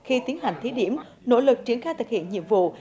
khi tiến hành thí điểm nỗ lực triển khai thực hiện nhiệm vụ